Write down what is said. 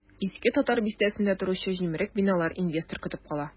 Иске татар бистәсендә торучы җимерек биналар инвестор көтеп кала.